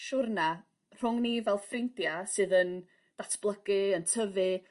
siwrna rhwng ni fel ffrindia sydd yn datblygu yn tyfu